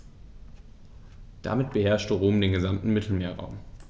Damit beherrschte Rom den gesamten Mittelmeerraum.